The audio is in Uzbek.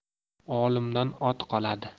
olimdan ot qoladi